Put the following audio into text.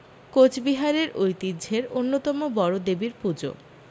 কোচবিহারের ঐতিহ্যের অন্যতম বড় দেবীর পূজো